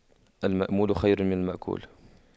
المأمول خير من المأكول